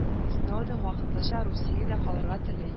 Сноуден вакытлыча Русиядә калырга тели